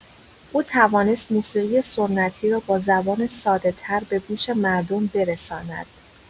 او توانست موسیقی سنتی را با زبان ساده‌‌تر به گوش مردم برساند.